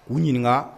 U ɲininka